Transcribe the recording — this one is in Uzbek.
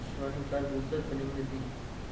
dushmaning kar bo'lsa tilingni tiy